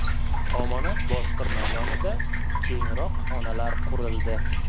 omonat bostirma yoniga kengroq xonalar qurildi